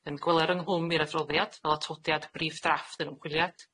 Yym gweler ynghlwm i'r adroddiad fel atodiad briff drafft yr ymchwiliad.